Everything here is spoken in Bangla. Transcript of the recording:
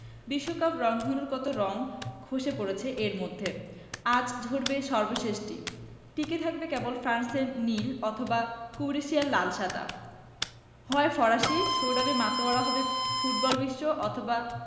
বিশ্বকাপ রংধনুর কত রং খসে পড়েছে এরই মধ্যে আজ ঝরবে সর্বশেষটি টিকে থাকবে কেবল ফ্রান্সের নীল অথবা ক্রোয়েশিয়ার লাল সাদা হয় ফরাসি সৌরভে মাতোয়ারা হবে ফুটবলবিশ্ব অথবা